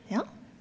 ja.